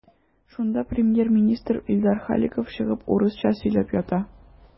Шунда премьер-министр Илдар Халиков чыгып урысча сөйләп ята.